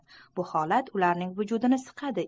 bu holat ularning vujudini siqadi